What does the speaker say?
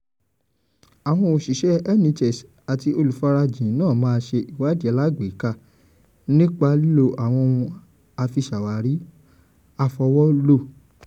Àwọn òṣìṣẹ́ NHS àti olùfarajìn náà máa ṣe ìwádìí alágbèéká nípa lílo àwọn ohun àfiṣàwarí àfọwọ́lò.